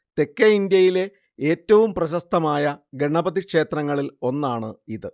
തെക്കേ ഇന്ത്യയിലെ ഏറ്റവും പ്രശസ്തമായ ഗണപതി ക്ഷേത്രങ്ങളിൽ ഒന്നാണ് ഇത്